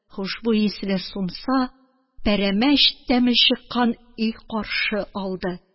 Хушбуй исле, сумса, пәрәмәч тәме чыккан өй каршы алды.